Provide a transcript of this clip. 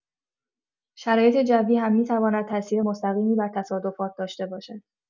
شرایط جوی هم می‌تواند تاثیر مستقیمی بر تصادفات داشته باشد.